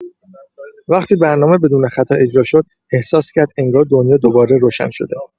وقتی برنامه بدون خطا اجرا شد، احساس کرد انگار دنیا دوباره روشن شده.